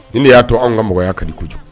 Ne de y'a to an ka mɔgɔya ka di kojugu